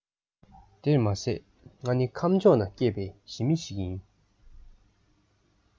དེར མ ཟད ང ནི ཁམས ཕྱོགས ན སྐྱེས པའི ཞི མི ཞིག ཡིན